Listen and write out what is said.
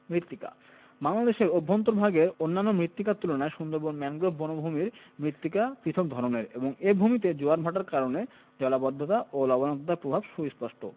মৃত্তিকাঃ বাংলাদেশের অভ্যন্তরভাগের অন্যান্য মৃত্তিকার তুলনায় সুন্দরবন ম্যানগ্রোভ বনভূমির মৃত্তিকা পৃথক ধরনের এবং এ বনভূমিতে জোয়ারভাটার কারণে জলাবদ্ধতা ও লবণাক্ততার প্রভাব সুস্পষ্ট